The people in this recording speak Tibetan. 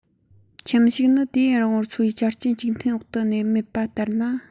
ཁྱིམ ཕྱུགས ནི དུས ཡུན རིང པོར འཚོ བའི ཆ རྐྱེན གཅིག མཐུན འོག ཏུ གནས མེད པ ལྟར ན